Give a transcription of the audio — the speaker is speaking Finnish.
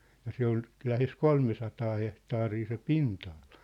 ja se oli lähes kolmesataa hehtaaria se pinta-ala